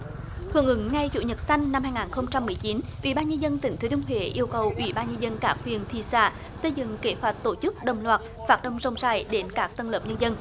hưởng ứng ngày chủ nhật xanh năm hai ngàn không trăm mười chín ủy ban nhân dân tỉnh thừa thiên huế yêu cầu ủy ban nhân dân các huyện thị xã xây dựng kế hoạch tổ chức đồng loạt phát động rộng rãi đến các tầng lớp nhân dân